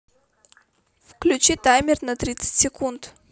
включи таймер на тридцать секунд